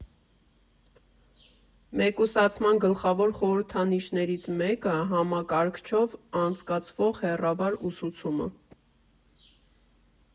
Մեկուսացման գլխավոր խորհրդանիշներից մեկը՝ համակարգչով անցկացվող հեռավար ուսուցումը։